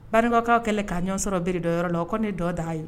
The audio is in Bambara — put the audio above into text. Bakawkaw kɛlen k kaa sɔrɔ biereri dɔ yɔrɔ la ko ne dɔ d da a ye